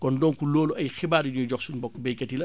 kon donc loolu ay xibaar yu ñuy jox suñu mbokku baykat yi la